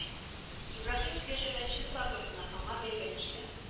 Ибраһимов яшәгән чынбарлыкны, аңа бәйләнешле